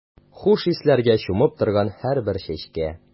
Хуш исләргә чумып торган һәрбер чәчкә.